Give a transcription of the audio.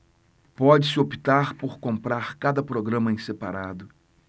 pode-se optar por comprar cada programa em separado